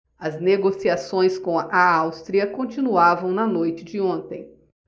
as negociações com a áustria continuavam na noite de ontem